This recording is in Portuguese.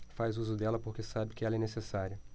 faz uso dela porque sabe que ela é necessária